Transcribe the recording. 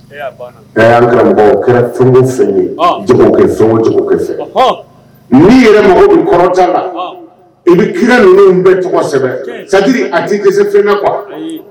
Ɛɛ a bana ɛɛ anɔ karamɔgɔ o kɛra fɛn o fɛn ye jago kɛ fɛn ma > garisɛgɛ ɔhɔɔ n'i yɛrɛ mago b'i kɔrɔta la i bi kira ninnun bɛ tɔgɔ sɛbɛn tyɛn c'est à dire a t'i dɛsɛ fɛn na quoi ayii